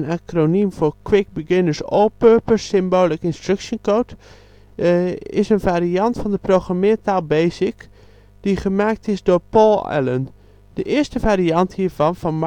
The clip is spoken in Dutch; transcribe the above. acroniem voor Quick Beginner 's All-purpose Symbolic Instruction Code) is een variant van de programmeertaal Basic die gemaakt is door Paul Allen. De eerste variant hiervan van